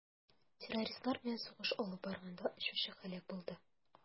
Террористлар белән сугыш алып барганда очучы һәлак булды.